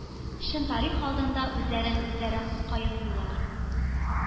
Чын тарих алдында үзләрен үзләре каезлыйлар.